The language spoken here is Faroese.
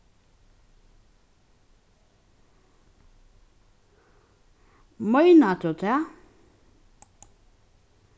meinar tú tað